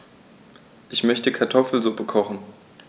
Ich möchte Kartoffelsuppe kochen.